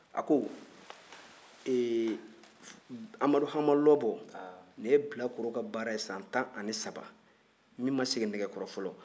a ko eee amadu hama lɔbɔ n'i ye bilakoro ka baara ye san ani saba min ma siginɛkɔrɔ fɔlɔ